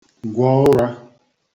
gwọ̀ ụrā